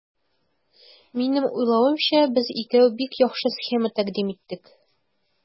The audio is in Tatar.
Минем уйлавымча, без икәү бик яхшы схема тәкъдим иттек.